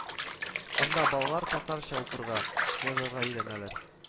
Анда балалар татарча укырга, язарга өйрәнәләр